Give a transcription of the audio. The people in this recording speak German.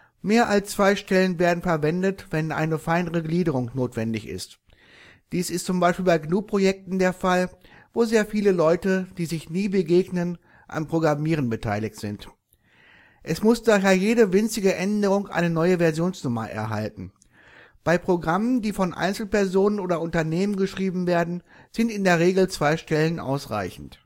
Mehr als zwei Stellen werden verwendet, wenn eine feinere Gliederung notwendig ist. Dies ist zum Beispiel bei GNU-Projekten der Fall, wo sehr viele Leute, die sich nie begegnen, am Programmieren beteiligt sind. Es muss daher jede winzige Änderung eine neue Versionsnummer erhalten. Bei Programmen, die von Einzelpersonen oder Unternehmen geschrieben werden, sind in der Regel zwei Stellen ausreichend